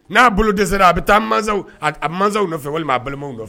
N'a bolo dɛsɛ a bɛ taa masa masaw nɔfɛ fɛ walima b' a balimaw fɛ